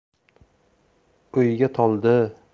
o'yga toldi